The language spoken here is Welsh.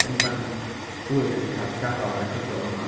Dan ni bach yn hwyr yn cael gafal ar y gyfrol yma...